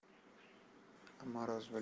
ammo rozi bo'ling